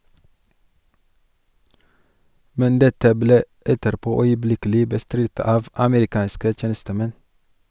Men dette ble etterpå øyeblikkelig bestridt av amerikanske tjenestemenn.